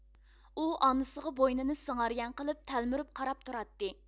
ئۇ ئانىسىغا بوينىنى سىڭاريان قىلىپ تەلمۈرۈپ قاراپ تۇراتتى